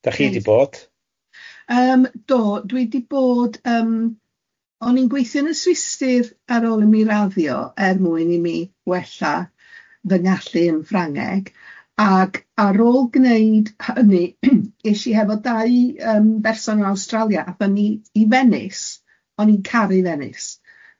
Dach chi... Reit. ...di bod? Yym do, dwi di bod yym, o'n i'n gweithio yn y Swistir ar ôl i mi raddio er mwyn i mi wella fy ngallu yn Ffrangeg, ag ar ôl gwneud hyny es i hefo dau yym berson yn Awstralia, a o'n i i Venice, o'n i'n caru i Venice.